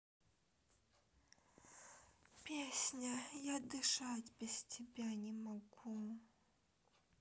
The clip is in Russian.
песня я дышать без тебя не могу